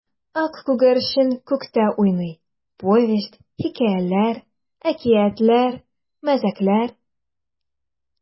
Ак күгәрчен күктә уйный: повесть, хикәяләр, әкиятләр, мәзәкләр.